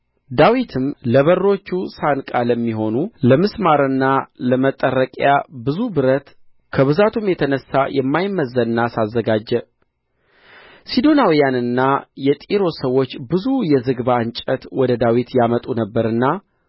ዳዊትም ለበሮቹ ሳንቃ ለሚሆኑ ለምስማርና ለመጠረቂያ ብዙ ብረት ከብዛቱም የተነሣ የማይመዘን ናስ አዘጋጀ ሲዶናውያውንና የጢሮስ ሰዎች ብዙ የዝግባ እንጨት ወደ ዳዊት ያመጡ ነበርና